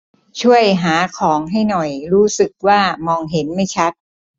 ช่วยหาของให้หน่อยรู้สึกว่ามองเห็นไม่ชัด